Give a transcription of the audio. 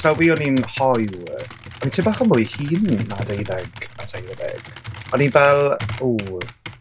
sylwi o'n i'n hoyw yy, o'n i tym bach yn mwy hŷn na deuddeg a teir ar ddeg o'n i fel ww